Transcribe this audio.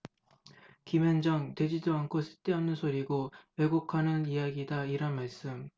김현정 되지도 않고 쓸데없는 소리고 왜곡하는 이야기다 이런 말씀